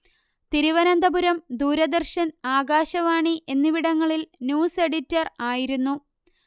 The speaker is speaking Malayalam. തിരുവനന്തപുരം ദൂരദർശൻ ആകാശവാണി എന്നിവിടങ്ങളിൽ ന്യൂസ് എഡിറ്റർ ആയിരുന്നു